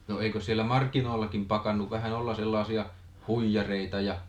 no eikö siellä markkinoillakin pakannut vähän olla sellaisia huijareita ja